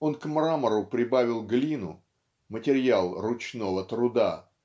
Он к мрамору прибавил глину, матерьял "ручного труда"